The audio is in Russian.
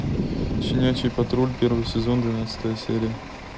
щенячий патруль первый сезон двенадцатая серия